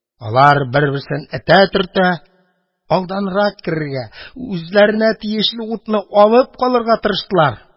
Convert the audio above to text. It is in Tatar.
Алар, бер-берсен этә-төртә, алданрак керергә, үзләренә тиешле утны алып калырга тырыштылар.